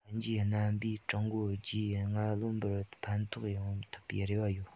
ལྷན རྒྱས རྣམ པས ཀྲུང གོར རྒྱུས མངའ ལོན པར ཕན ཐོགས ཡོང ཐུབ པའི རེ བ ཡོད